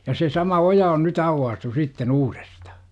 ja se sama oja on nyt aukaistu sitten uudestaan